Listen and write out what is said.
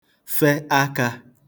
fe akā